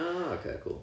o ocê cŵl